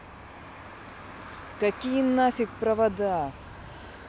какие нафиг провода